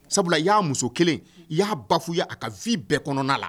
Sabula i y'a muso kelen i y'a ba fo ye a ka v bɛɛ kɔnɔna la